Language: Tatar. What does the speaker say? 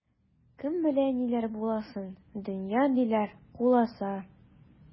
Кем белә ниләр буласын, дөнья, диләр, куласа.